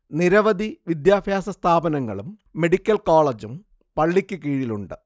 നിരവധി വിദ്യാഭ്യാസ സ്ഥാപനങ്ങളും മെഡിക്കൽ കോളേജും പള്ളിക്ക് കീഴിലുണ്ട്